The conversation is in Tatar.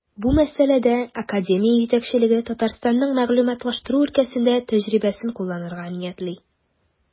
Бу мәсьәләдә академия җитәкчелеге Татарстанның мәгълүматлаштыру өлкәсендә тәҗрибәсен кулланырга ниятли.